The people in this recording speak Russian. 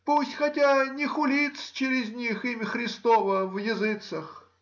Пусть хотя не хулится через них имя Христово в языцех.